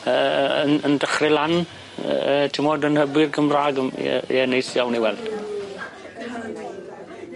yy yy yn yn dechre lan yy timod yn hybu'r Cymra'g yym ie ie neis iawn i weld.